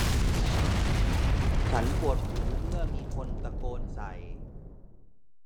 ฉันปวดหูเมื่อมีคนตะโกนใส่